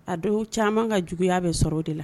A dɛw caman ka juguya bɛ sɔrɔ o de la